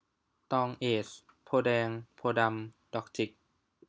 ตองเอซโพธิ์แดงโพธิ์ดำดอกจิก